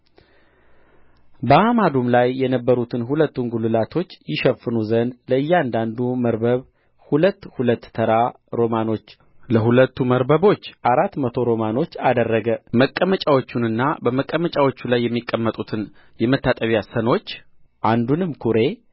በአዕማዱም ላይ የነበሩትን ሁለቱን ጕልላቶች ይሸፍኑ ዘንድ ለእያንዳንዱ መርበብ ሁለት ሁለት ተራ ሮማኖች ለሁለቱ መርበቦች አራት መቶ ሮማኖች አደረገ መቀመጫዎቹንና በመቀመጫዎቹ ላይ የሚቀመጡትን የመታጠቢያ ሰኖች አንዱንም ኵሬ